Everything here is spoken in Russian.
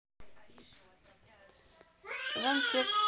жан текст